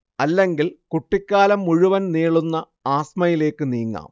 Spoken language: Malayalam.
അല്ലെങ്കിൽ കുട്ടിക്കാലം മുഴുവൻ നീളുന്ന ആസ്മയിലേക്ക് നീങ്ങാം